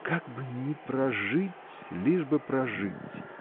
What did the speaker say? Как бы ни прожить, лишь бы прожить!